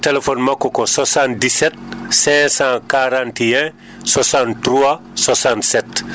téléphone makko ko 77 541 63 67